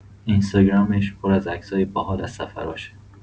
اینستاگرامش پر از عکسای باحال از سفراشه.